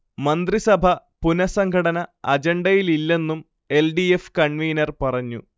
മന്ത്രിസഭ പുനഃസംഘടന അജണ്ടയിലില്ലെന്നും എൽ. ഡി. എഫ്. കൺവീനർ പറഞ്ഞു